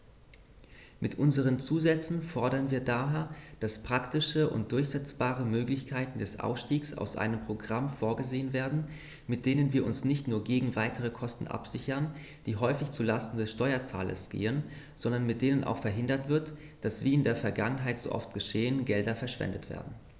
Mit unseren Zusätzen fordern wir daher, dass praktische und durchsetzbare Möglichkeiten des Ausstiegs aus einem Programm vorgesehen werden, mit denen wir uns nicht nur gegen weitere Kosten absichern, die häufig zu Lasten des Steuerzahlers gehen, sondern mit denen auch verhindert wird, dass, wie in der Vergangenheit so oft geschehen, Gelder verschwendet werden.